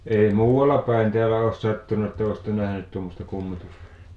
ei muualla päin täällä ole sattunut että olisitte nähnyt tuommoista kummitusta